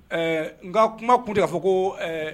Ɛɛ n ka kuma tun tɛ ka fɔ ko